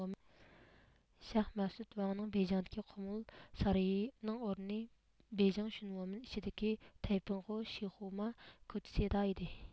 شاھ مەخسۇت ۋاڭنىڭ بېيجىڭدىكى قۇمۇل سارىيى نىڭ ئورنى بېيجىڭ شۈنۋومىن ئىچىدىكى تەيپىڭخۇ شىخۇما كوچىسىدا ئىدى